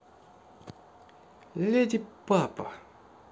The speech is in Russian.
lady папа